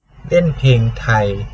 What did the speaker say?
เล่นเพลงไทย